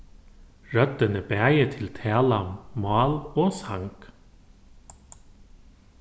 røddin er bæði til talað mál og sang